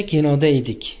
kinoda edik